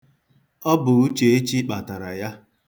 Ọ bụ Uchechi kpatara ya.